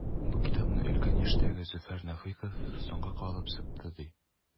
Бу китапны өлкән яшьтәге Зөфәр Нәфыйков “соңга калып” чыкты, ди.